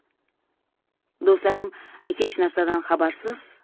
do'stlarim hech narsadan xabarsiz